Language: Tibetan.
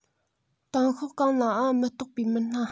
ཏང ཤོག གང ལའང མ གཏོགས པའི མི སྣ